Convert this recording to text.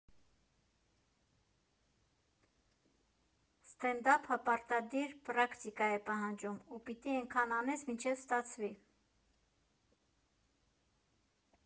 Ստենդափը պարտադիր պրակտիկա է պահանջում, ու պիտի էնքան անես, մինչև ստացվի։